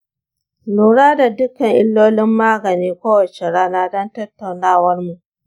lura da dukkan illolin magani kowace rana don tattaunawarmu.